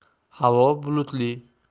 havo bulutli